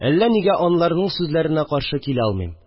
Әллә нигә аларның сүзләренә каршы килә алмыйм